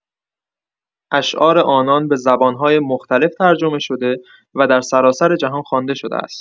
اشعار آنان به زبان‌های مختلف ترجمه شده و در سراسر جهان خوانده شده است.